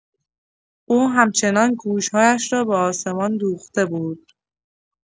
او همچنان گوش‌هایش را به آسمان دوخته بود.